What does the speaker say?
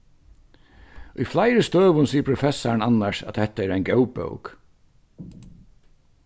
í fleiri støðum sigur professarin annars at hetta er ein góð bók